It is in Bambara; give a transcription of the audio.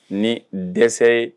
Ni dɛsɛ ye